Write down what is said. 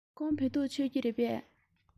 ཁོང བོད ཐུག མཆོད ཀྱི རེད པས